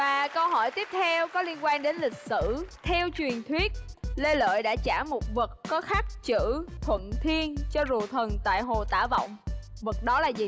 và câu hỏi tiếp theo có liên quan đến lịch sử theo truyền thuyết lê lợi đã trả một vật có khắc chữ thuận thiên cho rùa thần tại hồ tả vọng vật đó là gì